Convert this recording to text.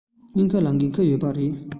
སྨན ཁང ལ འགན ཁུར ཡོད པ རེད